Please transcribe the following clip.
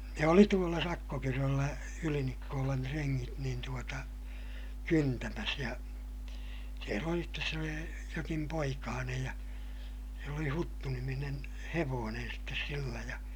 ne oli tuolla Sakkokyröllä Ylinikkolan rengit niin tuota kyntämässä ja siellä oli sitten se oli jokin poikanen ja sillä oli Huttu-niminen hevonen sitten sillä ja